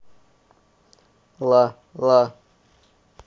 ла ла